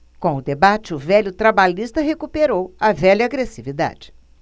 com o debate o velho trabalhista recuperou a velha agressividade